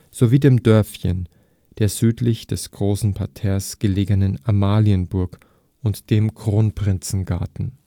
sowie dem Dörfchen, der südlich des Großen Parterres gelegenen Amalienburg und dem Kronprinzengarten